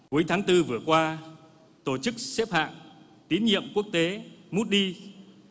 cuối tháng tư vừa qua tổ chức xếp hạng tín nhiệm quốc tế mút đi